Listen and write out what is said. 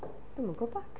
Dwi'm yn gwybod.